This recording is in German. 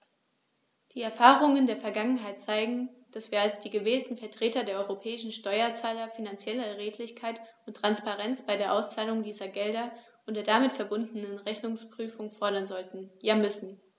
Die Erfahrungen der Vergangenheit zeigen, dass wir als die gewählten Vertreter der europäischen Steuerzahler finanzielle Redlichkeit und Transparenz bei der Auszahlung dieser Gelder und der damit verbundenen Rechnungsprüfung fordern sollten, ja müssen.